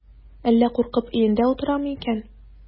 Әллә куркып өендә утырамы икән?